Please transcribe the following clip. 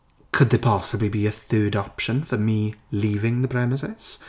Could there possibly be a third option for me leaving the premises?